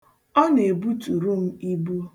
Ọ na-ebuturu m ibu.